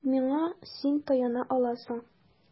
Миңа син таяна аласың.